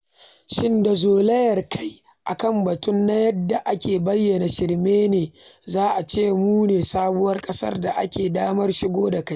Shin da zolayar kai a kan batun na yadda yake a bayyane shirme ne za a ce mu ne sabuwar ƙasar da ke da damar shigo da kaya?